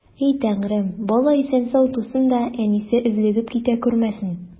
И Тәңрем, бала исән-сау тусын да, әнисе өзлегеп китә күрмәсен!